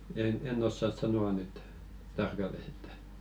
- en osaa sanoa nyt tarkalleen että